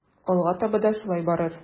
Алга таба да шулай барыр.